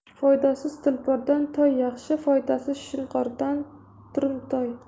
foydasiz tulpordan toy yaxshi foydasiz shunqordan turumtoy